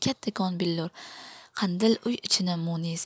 kattakon billur qandil uy ichini munis